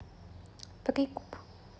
прикуп